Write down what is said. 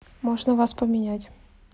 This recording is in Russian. можно вас поменять